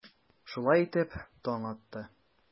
Шулай итеп, таң атты.